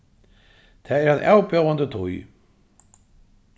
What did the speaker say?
tað er ein avbjóðandi tíð